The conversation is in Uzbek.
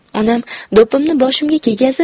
onam do'ppimni boshimga kiygazib